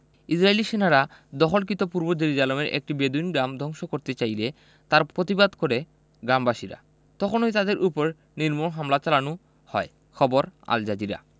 ইসরাইলি সেনারা দখলীকৃত পূর্ব জেরুজালেমে একটি বেদুইন গ্রাম ধ্বংস করতে চাইলে তার প্রতিবাদ করে গ্রামবাসীরা তখনই তাদের ওপর নির্মম হামলা চালানো হয় খবর আল জাজিরা